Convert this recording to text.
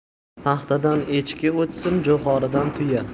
paxtadan echki o'tsin jo'xoridan tuya